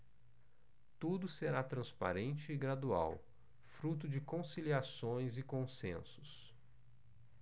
tudo será transparente e gradual fruto de conciliações e consensos